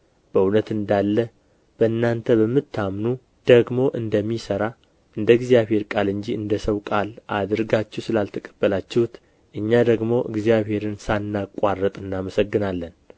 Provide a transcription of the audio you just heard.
በእውነት እንዳለ በእናንተ በምታምኑ ደግሞ እንደሚሠራ እንደ እግዚአብሔር ቃል እንጂ እንደ ሰው ቃል አድርጋችሁ ስላልተቀበላችሁት እኛ ደግሞ እግዚአብሔርን ሳናቋርጥ እናመሰግናለን